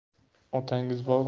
otangiz bormi